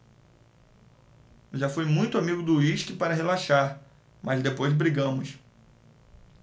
já fui muito amigo do uísque para relaxar mas depois brigamos